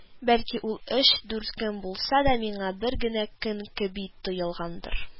Бәлки ул өч-дүрт көн булса да, миңа бер генә көн кеби тоелгандыр